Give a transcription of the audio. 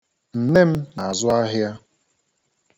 Nne m na-azụ ahịa.